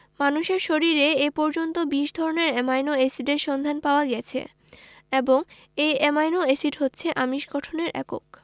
মানুষের শরীরে এ পর্যন্ত ২০ ধরনের অ্যামাইনো এসিডের সন্ধান পাওয়া গেছে এবং এই অ্যামাইনো এসিড হচ্ছে আমিষ গঠনের একক